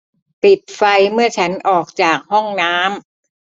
ปิดไฟเมื่อฉันออกจากห้องน้ำ